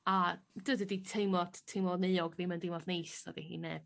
A dy- dydi teimlo t- t- teimlo'n euog ddim yn deimlad neis nadi i neb?